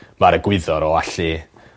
ma'r egwyddor o allu